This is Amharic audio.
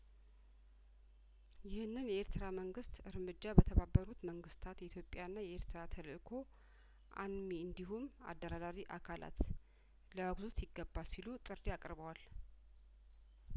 ይህንን የኤርትራ መንግስት እርምጃ በተባበሩት መንግስታት የኢትዮጵያ ና የኤርትራ ተልእኮ አንሚ እንዲሁም አደራዳሪ አካላት ሊያወግዙት ይገባል ሲሉ ጥሪ አቅርበዋል